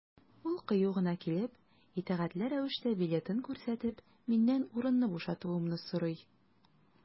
Ул кыю гына килеп, итәгатьле рәвештә билетын күрсәтеп, миннән урынны бушатуымны сорый.